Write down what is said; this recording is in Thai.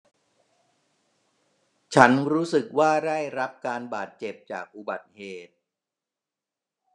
ฉันรู้สึกว่าได้รับการบาดเจ็บจากอุบัติเหตุ